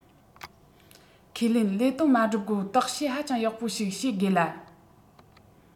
ཁས ལེན ལས དོན མ བསྒྲུབས གོང བརྟག དཔྱད ཧ ཅང ཡག པོ ཞིག བྱེད དགོས ལ